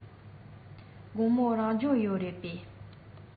དགོང མོ རང སྦྱོང ཡོད རེད པས